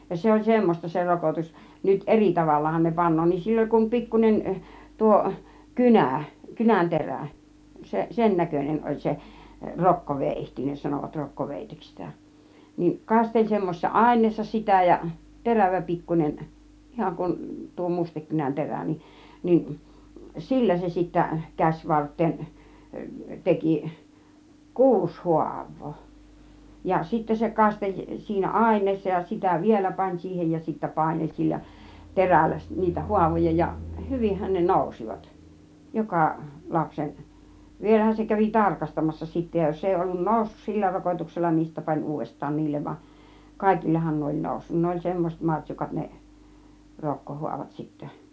ja se oli semmoista se rokotus nyt eri tavallahan ne panee niin sillä oli kuin pikkuinen tuo kynä kynänterä se sennäköinen oli se rokkoveitsi ne sanoivat - rokkoveitseksi sitä niin kasteli semmoisessa aineessa sitä ja terävä pikkuinen ihan kuin tuo mustekynän terä niin niin sillä se sitten käsivarteen teki kuusi haavaa ja sitten se kasteli siinä aineessa ja sitä vielä pani siihen ja sitten paineli sillä terällä - niitä haavoja ja hyvinhän ne nousivat joka lapsen vielähän se kävi tarkastamassa sitten ja jos ei ollut noussut sillä rokotuksella niin sitten pani uudestaan niille vaan kaikillehan ne oli noussut ne oli semmoiset martsukat ne rokkohaavat sitten